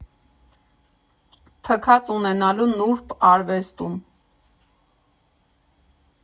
Թքած ունենալու նուրբ արվեստում։